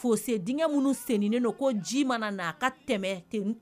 Fo denkɛ minnu sennen don ko ji mana na a ka tɛmɛ